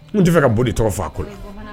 N t' fɛ ka boli tɔgɔ faa a ko la